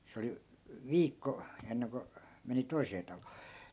se oli viikko ennen kuin meni toiseen taloon